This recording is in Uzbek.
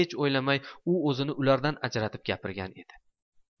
hech o'ylamay u o'zini ulardan ajratib gapirgan edi